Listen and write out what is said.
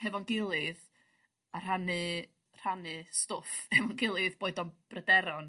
hefo'n gilydd a rhannu rhannu stwff efo'n gilydd boed o'n bryderon